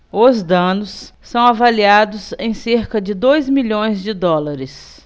os danos são avaliados em cerca de dois milhões de dólares